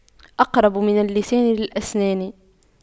أقرب من اللسان للأسنان